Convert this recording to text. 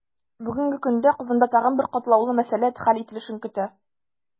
Бүгенге көндә Казанда тагын бер катлаулы мәсьәлә хәл ителешен көтә.